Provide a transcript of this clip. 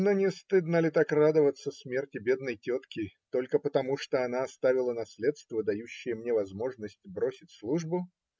Но не стыдно ли так радоваться смерти бедной тетки только потому, что она оставила наследство, дающее мне возможность бросить службу?